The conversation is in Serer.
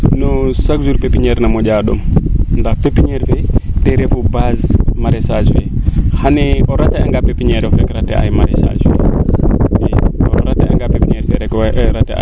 non chaque jour pepinier naa moƴaa ndom ndax peppiniere fee te refu base maraichage fee xane o rater anga pepiniere of rek rater a maraichage i o rate anga pepiniere fee rek